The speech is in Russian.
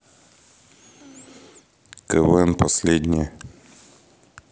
квн последнее